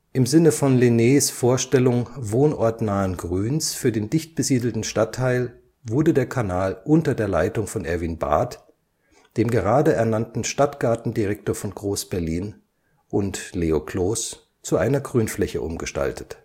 Im Sinne von Lennés Vorstellung wohnortnahen Grüns für den dicht besiedelten Stadtteil wurde der Kanal unter der Leitung von Erwin Barth, dem gerade ernannten Stadtgartendirektor von Groß-Berlin, und Leo Kloss zu einer Grünfläche umgestaltet